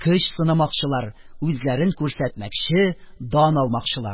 Көч сынамакчылар, үзләрен күрсәтмәкче, дан алмакчылар.